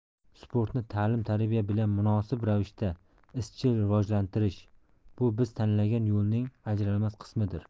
sportni ta'lim tarbiya bilan mutanosib ravishda izchil rivojlantirish bu biz tanlagan yo'lning ajralmas qismidir